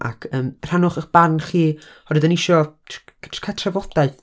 Ac, yym, rhannwch eich barn chi. Oherwydd dan ni isio tr- jyst cael trafodaeth.